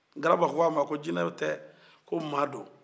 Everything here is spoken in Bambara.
garaba k'o man jinɛ tɛ ko mɔgɔ do